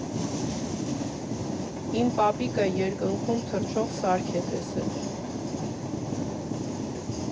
Իմ պապիկը երկնքում թռչող սարք է տեսել։